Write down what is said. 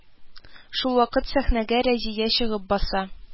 Шул вакыт сәхнәгә Разия чыгып баса